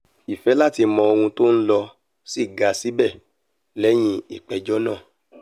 Ìfẹ̀ láti mọ ohun tó ń lọ sì ga síbẹ̀ lẹ́yìn ìgbẹ́jọ́ náà.